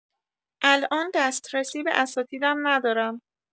الان دسترسی به اساتیدم ندارم.